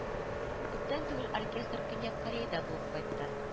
Күптән түгел оркестр көньяк кореяда булып кайтты